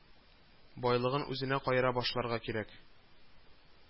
Байлыгын үзенә каера башларга кирәк